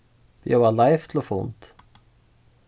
bjóða leif til fund